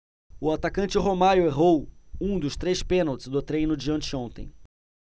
o atacante romário errou um dos três pênaltis no treino de anteontem